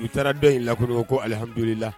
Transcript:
U taara dɔn in lakkoro ko alihadu la